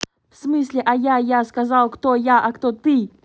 в смысле а я я сказал кто я а кто ты